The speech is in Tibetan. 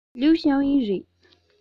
ལིའི ཞའོ ཡན རེད